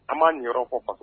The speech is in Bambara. An b'ayɔrɔ kɔ faso